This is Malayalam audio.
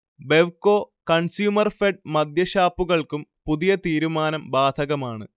ബെവ്കോ, കൺസ്യൂമർഫെഡ് മദ്യഷാപ്പുകൾക്കും പുതിയ തീരുമാനം ബാധകമാണ്